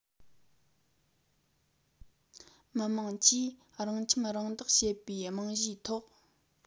མི དམངས ཀྱིས རང ཁྱིམ རང བདག བྱེད པའི རྨང གཞིའི ཐོག